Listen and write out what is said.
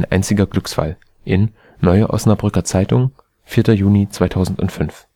einziger Glücksfall “. In: Neue Osnabrücker Zeitung, 4. Juni 2005